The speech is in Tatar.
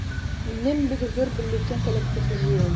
Минем бик зур бюллетень коллекциясе җыелды.